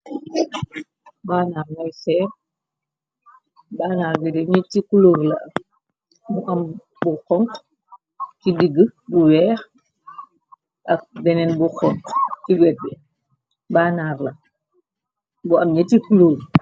Baanaar moy seer, bannar bide ñetti kulur a bu am , bu xonk ci digg, bu weex ak beneen bu xonk ci wtbnarbu, am ñetti kulurbi.